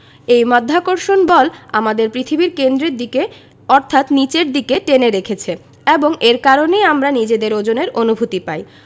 এই মাধ্যাকর্ষণ বল আমাদের পৃথিবীর কেন্দ্রের দিকে অর্থাৎ নিচের দিকে টেনে রেখেছে এবং এর কারণেই আমরা নিজেদের ওজনের অনুভূতি পাই